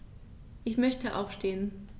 Ich möchte aufstehen.